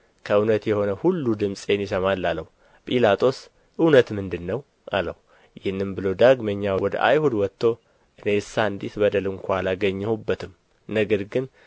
ለእውነት ልመሰክር ስለዚህ ተወልጃለሁ ስለዚህም ወደ ዓለም መጥቻለሁ ከእውነት የሆነ ሁሉ ድምፄን ይሰማል አለው ጲላጦስ እውነት ምንድር ነው አለው ይህንም ብሎ ዳግመኛ ወደ አይሁድ ወጥቶ እኔስ አንዲት በደል ስንኳ አላገኘሁበትም ነገር ግን